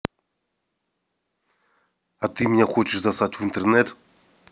а ты меня хочешь заслать в интернет